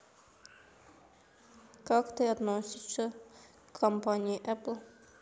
как ты относишься к компании эпл